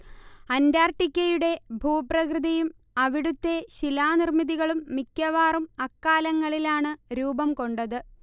അന്റാർട്ടിക്കയുടെ ഭൂപ്രകൃതിയും അവിടുത്തെ ശിലാനിർമ്മിതികളും മിക്കവാറും അക്കാലങ്ങളിലാണ് രൂപം കൊണ്ടത്